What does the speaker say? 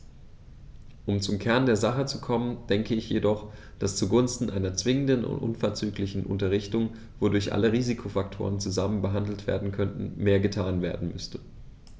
Um zum Kern der Sache zu kommen, denke ich jedoch, dass zugunsten einer zwingenden und unverzüglichen Unterrichtung, wodurch alle Risikofaktoren zusammen behandelt werden könnten, mehr getan werden müsste.